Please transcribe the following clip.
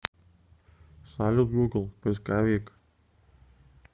салют google поисковик